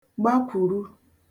gbakwùru